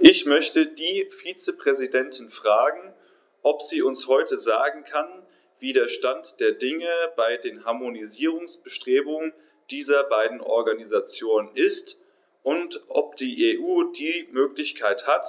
Ich möchte die Vizepräsidentin fragen, ob sie uns heute sagen kann, wie der Stand der Dinge bei den Harmonisierungsbestrebungen dieser beiden Organisationen ist, und ob die EU die Möglichkeit hat,